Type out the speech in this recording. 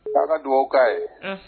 An ka dugawu'a ye